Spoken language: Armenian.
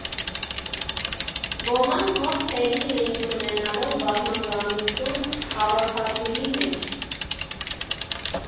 Ոմանց մոտ թերի էին՝ չունենալով բազմազանություն հավաքածուի մեջ։